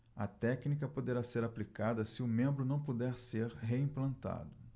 a técnica poderá ser aplicada se o membro não puder ser reimplantado